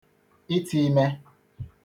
iteime